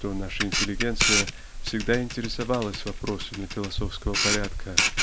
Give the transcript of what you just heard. что наша интеллигенция всегда интересовалась вопросами философского порядка